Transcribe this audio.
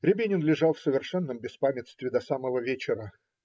-------------- Рябинин лежал в совершенном беспамятстве до самого вечера.